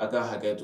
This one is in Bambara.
A ka hakɛ to